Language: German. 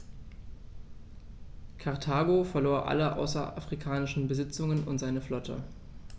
Karthago verlor alle außerafrikanischen Besitzungen und seine Flotte.